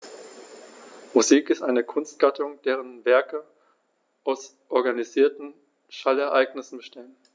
Musik ist eine Kunstgattung, deren Werke aus organisierten Schallereignissen bestehen.